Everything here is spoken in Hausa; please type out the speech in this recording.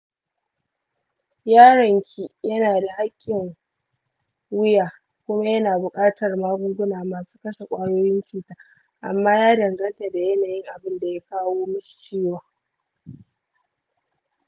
yaron ki yanada hakin wuya kuma yana bukatar magungunan masu kashe kwayoyin cuta amma ya danganta da yanayin abunda ya kawo mashi ciwon